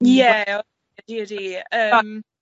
Ie, o, ydi ydi yym.